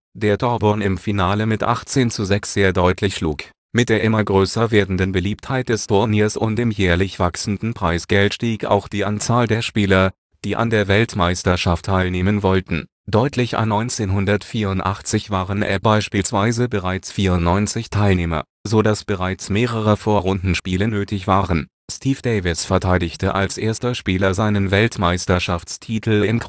der Thorburn im Finale mit 18:6 sehr deutlich schlug. Mit der immer größer werdenden Beliebtheit des Turniers und dem jährlich wachsenden Preisgeld stieg auch die Anzahl der Spieler, die an der Weltmeisterschaft teilnehmen wollten, deutlich an. 1984 waren es beispielsweise bereits 94 Teilnehmer, sodass bereits mehrere Vorrundenspiele nötig waren. Steve Davis verteidigte als erster Spieler seinen Weltmeisterschaftstitel im